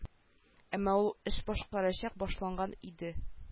Әмма ул эш башкачарак башланган иде